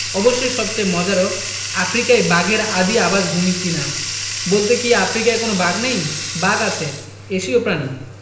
অবশ্যই সবচেয়ে মজারও আফ্রিকাই বাঘের আদি আবাসভূমি কি না বলতে কী আফ্রিকায় কোনো বাঘ নেই বাঘ আছে এশীয় প্রাণী